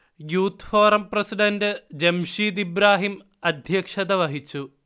youth forum president Jamsheed Ibrahim അദ്ധ്യക്ഷത വഹിച്ചു